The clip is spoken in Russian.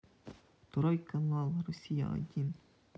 второй канал россия один